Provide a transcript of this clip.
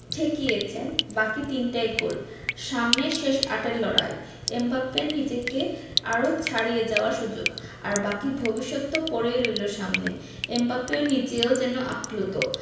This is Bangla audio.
ঠেকিয়েছেন বাকি তিনটাই গোল সামনে শেষ আটের লড়াই এমবাপ্পের নিজেকে আরও ছাড়িয়ে যাওয়ার সুযোগ আর বাকি ভবিষ্যৎ তো পড়েই রইল সামনে এমবাপ্পে নিজেও যেন আপ্লুত